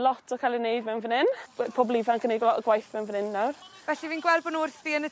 Lot yn ca'l ei neu' mewn fyn 'yn. We- pobol ifanc yn neud lot o gwaith mewn fyn 'yn nawr. Felly fi'n gweld bo' n'w wrthi yn y